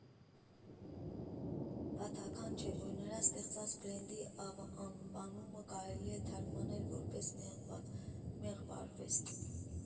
Պատահական չէ, որ նրա ստեղծած բրենդի անվանումը կարելի է թարգմանել որպես «Մեղվարվեստ»։